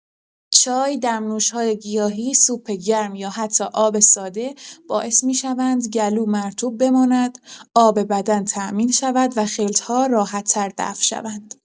چای، دمنوش‌های گیاهی، سوپ گرم یا حتی آب ساده باعث می‌شوند گلو مرطوب بماند، آب بدن تأمین شود و خلط‌ها راحت‌تر دفع شوند.